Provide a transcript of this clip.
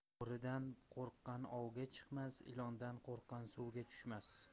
bo'ridan qo'rqqan ovga chiqmas ilondan qo'rqqan suvga tushmas